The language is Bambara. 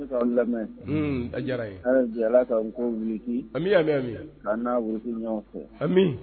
Bɛ k'aw lamɛn, un, a diyara an ye, hali bi Ala ka an kɔ wilitin, ami ami, ka an'a wilitin ɲɔgɔn fɛ, ami.